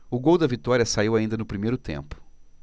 o gol da vitória saiu ainda no primeiro tempo